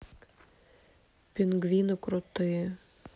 пингвины крутые